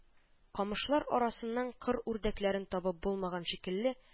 Камышлар арасыннан кыр үрдәкләрен табып булмаган шикелле